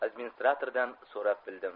administratordan so'rab bildim